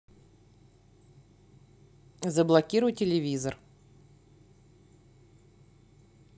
заблокируй телевизор